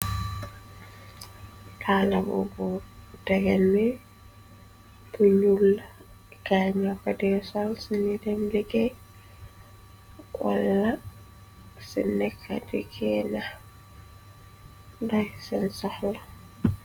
Kaala bu bula, tegé bu njul la gay ño koday sol su ñu dem liggéey, wala ci nekkay di keena kay sen soxla.